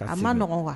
A maɔgɔn wa